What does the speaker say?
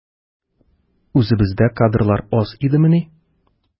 Үзебездә кадрлар аз идемени?